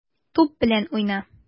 Туп белән уйна.